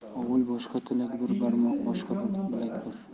ovul boshqa tilak bir barmoq boshqa bilak bir